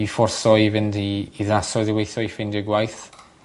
'u fforso i fynd i i ddinasoedd i weithio i ffindio gwaith.